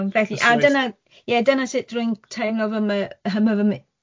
Felly... That's right... A dyna... Ie, dyna sut rwy'n teimlo fy my hym- y fy- my-